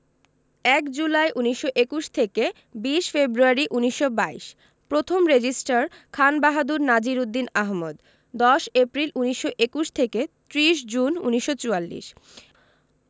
১ July ১৯২১ থেকে ২০ February ১৯২২ প্রথম registrar Khan Bahadur Nazir Uddin Ahmad ১০ April ১৯২১ থেকে ৩০ জুন ১৯৪৪